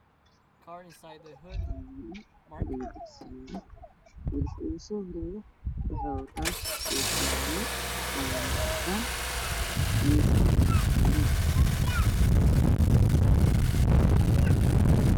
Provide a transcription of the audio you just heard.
Meeshaan waa fadhiya ilmo yar yar midka usoo reer waxuu wataa khamiis buluug ah kuwa kale waxay wataan khamiistay caddaan madow